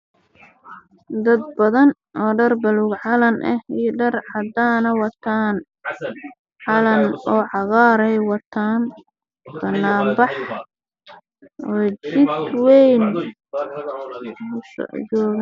Waa meel banaan waxaa iskugu imaaday naago waxay wataan calanka soomaaliya